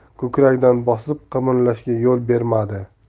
ko'kragidan bosib qimirlashga yo'l bermadi